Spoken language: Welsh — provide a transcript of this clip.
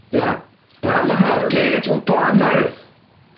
Ia. Urma help kids wi' porn money.